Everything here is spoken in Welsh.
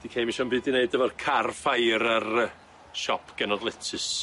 Di Kay i'm isio am byd i neud efo'r car ffair yy siop genod letys.